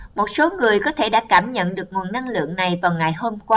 một số người có thể đã cảm nhận được nguồn năng lượng này vào ngày hôm qua